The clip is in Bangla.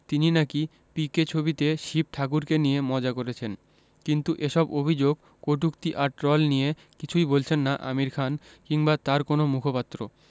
তিনি নাকি পিকে ছবিতে শিব ঠাকুরকে নিয়ে মজা করেছেন কিন্তু এসব অভিযোগ কটূক্তি আর ট্রল নিয়ে কিছুই বলছেন না আমির খান কিংবা তাঁর কোনো মুখপাত্র